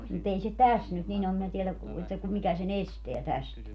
mutta ei se tässä nyt niin ole minä tiedä kun että kun mikä sen estää tästä